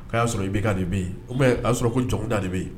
Aa y'a sɔrɔ i bɛ de bɛ yen y'a sɔrɔ ko jɔnda de bɛ yen